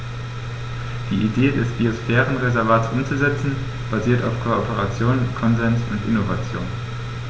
Die Idee des Biosphärenreservates umzusetzen, basiert auf Kooperation, Konsens und Innovation.